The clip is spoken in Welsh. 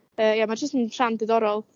yy ia ma' jyst yn rhan diddorol